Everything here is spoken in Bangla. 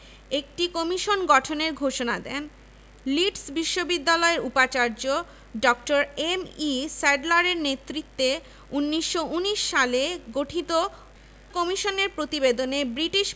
পরবর্তীকালে এ সকল ইমারত ভূমি ও স্থাপনা বার্ষিক এক হাজার টাকায় বিশ্ববিদ্যালয়কে স্থায়ী ইজারা দেওয়া হয় নাথান কমিটির উল্লেখযোগ্য সুপারিশ হলো: